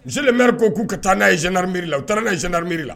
Mimeri ko k'u ka taa n' ye zerameri la u taa n'a zerameri la